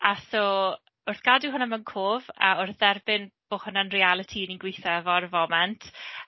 A so wrth gadw hwnna mewn cof, a wrth dderbyn bod hwnna'n realiti rydyn ni'n gweithio efo ar y foment...